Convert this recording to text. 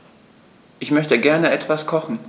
Ich möchte gerne etwas kochen.